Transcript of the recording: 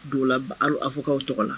Dɔw la a fɔ'aw tɔgɔ la